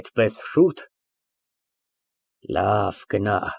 Այդպես շո՞ւտ։ Լավ գնա։